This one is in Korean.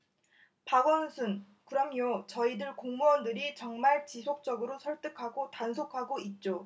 박원순 그럼요 저희들 공무원들이 정말 지속적으로 설득하고 단속하고 있죠